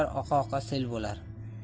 oqa oqa sel bo'lar